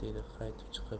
dedi qaytib chiqib